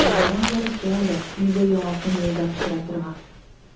Чалбарың ярыйсы әле, нигә яңасын юлда пычратырга.